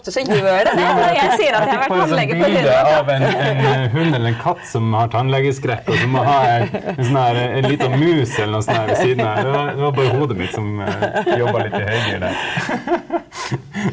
jammen jeg fikk jeg fikk bare et sånt bilde av en en hund eller en katt som har tannlegeskrekk og som må ha en en sånn der ei lita mus eller noe sånn der ved siden av der og og det var bare hodet mitt som jobba litt i høygir der .